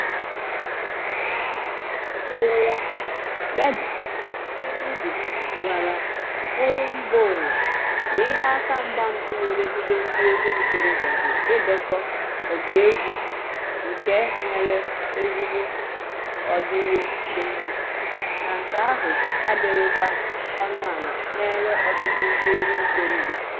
Onye hiwere ya, Reda Hmidi, gwara Global Voices na "ihe akamgba mbụ na-emegide ndịegwu ntorobịa bụ idekọ ọbaegwu nke nwere ezigbo ọdịyo dị mma, ma nke ahụ adịghịkwa ọnụala nyere ọtụtụ ndịegwu ntorobịa."